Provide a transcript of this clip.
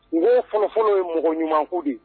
Mɔgɔw fɔlɔfɔlɔ ye mɔgɔ ɲumankun di